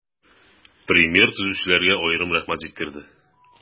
Премьер төзүчеләргә аерым рәхмәт җиткерде.